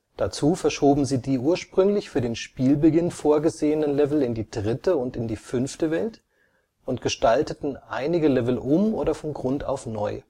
Dazu verschoben sie die ursprünglich für den Spielbeginn vorgesehenen Level in die dritte und die fünfte Welt und gestalteten einige Level um oder von Grund auf neu